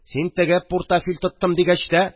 Син теге, пуртәфиль тоттым дигәч тә